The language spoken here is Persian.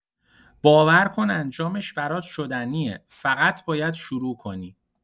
باور کن انجامش برات شدنیه، فقط باید شروع کنی.